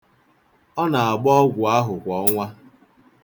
Ọ na-agba ọgwụ ahụ kwa ọnwa.